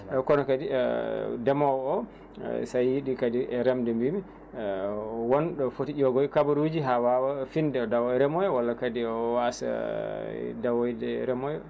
eyyi kono kadi ndemowo o sa yiiɗi kadi remde mbimi wonɗo footi ƴoogoy kabaruji ha wawa finde dawa remoya walla kadi o wasa dawoyde remoya